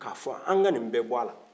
ka fɔ an ka ni bɛ bɔ a la